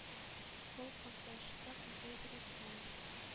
Кул кысыштык икәү йөрәктән.